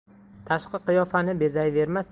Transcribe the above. tashqi qiyofani bezayvermasdan